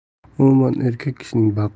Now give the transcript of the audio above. umuman erkak kishining